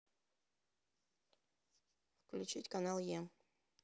включить канал е